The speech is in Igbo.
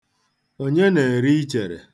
Onye na-ere ichere?